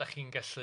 'Dach chi'n gallu